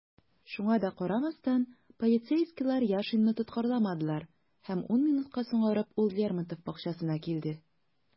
Шуңа да карамастан, полицейскийлар Яшинны тоткарламадылар - һәм ун минутка соңарып, ул Лермонтов бакчасына килде.